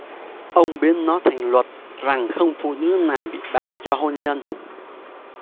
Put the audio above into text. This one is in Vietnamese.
ông biến nó thành luật rằng không phụ nữ nào bị bán cho hôn nhân